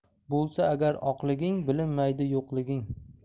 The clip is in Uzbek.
bo'lsa agar oqliging bilinmaydi yo'qliging